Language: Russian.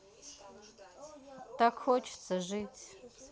так хочется жить